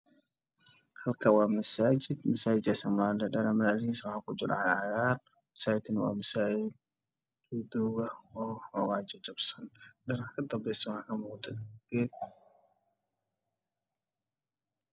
Halkaan waa masaajid oo leh muraayado dhaardheer waxaa kujiro cagaar, waana masaajid duuga meesha kadambeysana waxaa kamuudo geed.